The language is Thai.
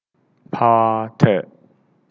พอเถอะ